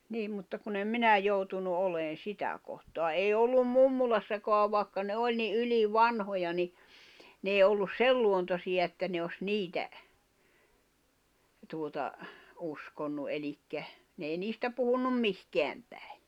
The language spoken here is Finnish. niin mutta kun en minä joutunut olemaan sitä kohtaa ei ollut mummolassakaan vaikka ne oli niin ylivanhoja niin ne ei ollut sen luontoisia että ne olisi niitä tuota uskonut eli ne ei niistä puhuneet mihinkään päin